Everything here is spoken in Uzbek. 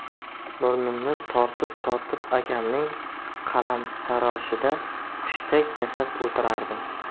burnimni tortib tortib akamning qalamtaroshida hushtak yasab o'tirardim